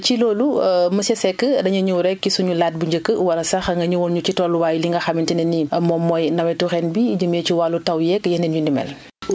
ci loolu monsieur Seck dañuy ñëw rekk ci sunu laaj bu njëkk wala sax nga ñëwal ñu ci tolluwaayu li nga xamante ne nii moom mooy nawetu ren bi jëmee ci wàllu taw yeeg yeneen yu ni mel